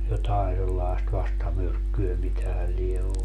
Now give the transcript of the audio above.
jotakin sellaista vastamyrkkyä mitähän lie ollut